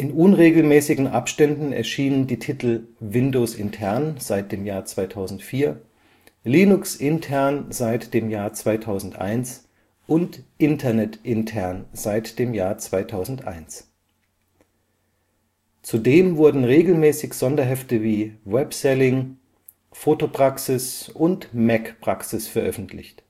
unregelmäßigen Abständen erschienen die Titel Windows Intern (seit 2004), Linux Intern (seit 2001) und Internet Intern (seit 2001). Zudem wurden regelmäßig Sonderhefte wie webselling, Foto Praxis und Mac Praxis veröffentlicht